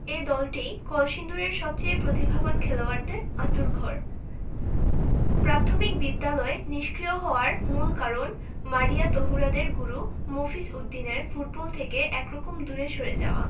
এই দলটিই কলসিন্দুরের সবচেয়ে প্রতিভাবান খেলোয়াড়দের আঁতুড়ঘর প্রাথমিক বিদ্যালয় নিষ্ক্রিয় হওয়ার মূল কারণ মারিয়া তহুরাদের গুরু মফিজ উদ্দিনের ফুটবল থেকে একরকম দূরে সরে যাওয়া